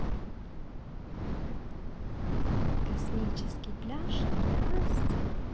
космическая пляж для насти